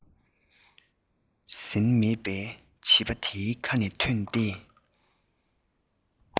ཟིན མེད པའི བྱིས པ འདིའི ཁ ནས ཐོན ཏེ